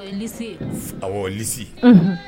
Asi